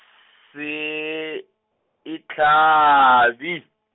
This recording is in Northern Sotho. se -ehlabi.